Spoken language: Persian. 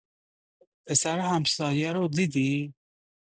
پسر همسایه رو دیدی؟